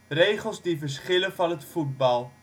Regels die verschillen van het voetbal